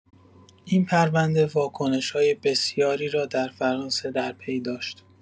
این پرونده واکنش‌های بسیاری را در فرانسه در پی داشت.